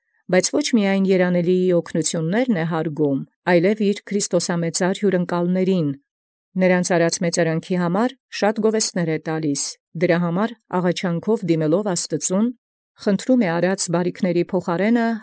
Բայց ո՛չ միայն զերանելւոյն զաւգնականութիւնսն յարգէ, այլ և զքրիստոսամեծար ասպնջականիցն իւրոց՝ բազում գովութիւնս փոխանակ մեծարանացն կարգէ, վասն որոյ և յաղաչանս առ Աստուած մատուցեալ՝ զփոխարէն բարեացն։